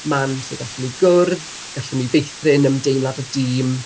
Man lle gallwn ni gwrdd, gallwn ni feithrin ymdeimlad o dîm.